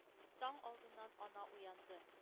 Таң алдыннан ана уянды —